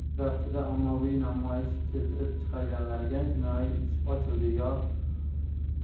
chiroqchida ommaviy namoyish keltirib chiqarganlarga jinoyat ishi ochildi